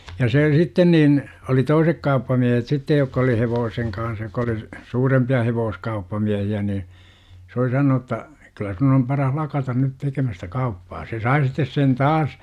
ja se sitten niin oli toiset kauppamiehet sitten jotka oli hevosen kanssa jotka oli suurempia hevoskauppamiehiä niin se oli sanonut jotta kyllä sinun - on paras lakata nyt tekemästä kauppaa se sai sitten sen taas